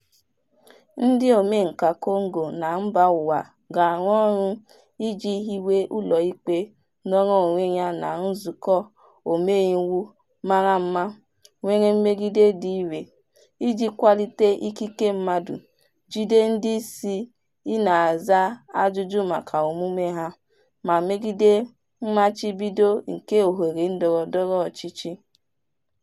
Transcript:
Ndị omenkà Congo na mbaụwa ga-arụ ọrụ iji hiwe ụlọikpe nọọrọ onwe ya na nzukọ omeiwu mara mma nwere mmegide dị irè iji kwalite ikike mmadụ, jide ndị isi ị na-aza ajụjụ maka omume ha, ma megide mmachibido nke oghere ndọrọndọrọ ọchịchị.